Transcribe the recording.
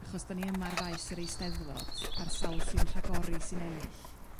Achos 'dan ni yma ar faes yr Eisteddfod ar sawl sy'n rhagori sy'n ennill.